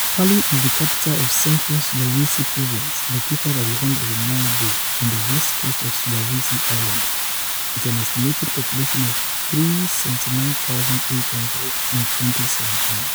Palu is the capital of Central Sulawesi province, located at the end of a narrow bay on the west coast of Sulawesi island, with an estimated population of 379,800 in 2017.